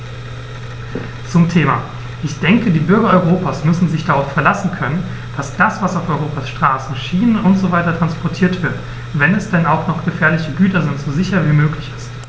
Zum Thema: Ich denke, die Bürger Europas müssen sich darauf verlassen können, dass das, was auf Europas Straßen, Schienen usw. transportiert wird, wenn es denn auch noch gefährliche Güter sind, so sicher wie möglich ist.